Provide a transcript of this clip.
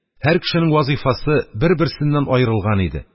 Һәр кешенең вазифасы бер-берсеннән аерылган иде.